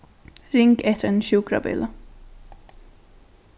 ring eftir einum sjúkrabili